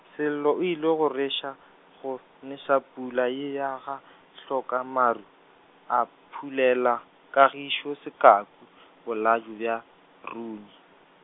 Sello o ile go rweša, go, neša pula ye ya ga , hloka maru, a phulela Kagišo sekaku, boladu bja, runya.